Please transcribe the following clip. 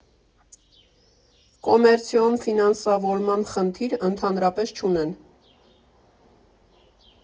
Կոմերցիոն ֆինանսավորման խնդիր ընդհանրապես չունեն.